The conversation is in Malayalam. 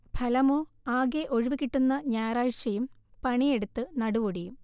ഫലമോ ആകെ ഒഴിവുകിട്ടുന്ന ഞായറാഴ്ചയും പണിയെടുത്ത് നടുവൊടിയും